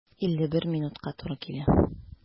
51 минутка туры килә.